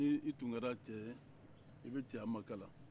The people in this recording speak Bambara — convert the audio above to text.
ni i tun kɛra cɛ ye i bɛ ceya makalan